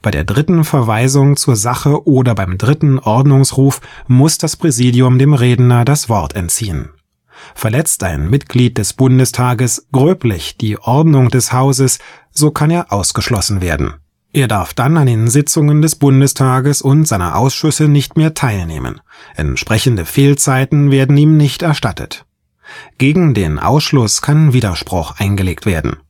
der dritten Verweisung zur Sache oder beim dritten Ordnungsruf muss das Präsidium dem Redner das Wort entziehen. Verletzt ein Mitglied des Bundestages „ gröblich “die Ordnung des Hauses, so kann er ausgeschlossen werden. Er darf dann an den Sitzungen des Bundestages und seiner Ausschüsse nicht mehr teilnehmen; entsprechende Fehlzeiten werden ihm nicht erstattet. Gegen den Ausschluss kann Widerspruch eingelegt werden